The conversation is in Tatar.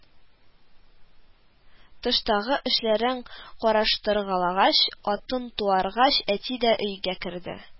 Тыштагы эшләрен караштыргалагач, атын туаргач, әти дә өйгә керде